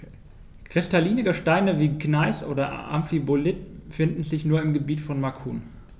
Kristalline Gesteine wie Gneis oder Amphibolit finden sich nur im Gebiet von Macun.